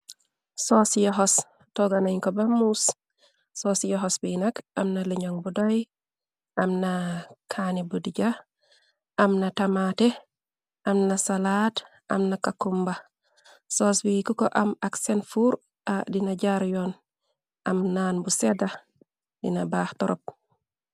Sooci yoxos toganan ko bamous sosci yoxos bi nak amna linon bu doy amna kani budja amna tamate amna salaat amna kakumba soos wik ko am ak seen fuur dina jar yoon am naan bu sedax dina baa torob.